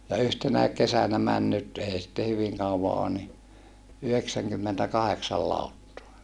ja yhtenäkin kesänä meni nyt ei sitten hyvin kauan ole niin yhdeksänkymmentäkahdeksan lauttaa